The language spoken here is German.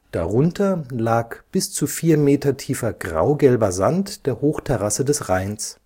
Darunter lag bis zu 4 m tiefer graugelber Sand der Hochterrasse des Rheins